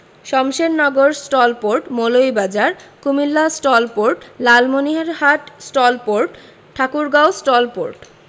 Shamshernagar STOL port Moulvibazar Comilla STOL port Lalmonirhat STOL port Thakurgaon STOL port